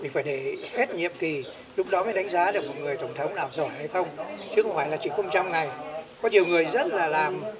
phải để hết nhiệm kỳ lúc đó mới đánh giá được một người tổng thống nào giỏi hay không chứ không phải là chỉ không trăm ngày có nhiều người rất là làm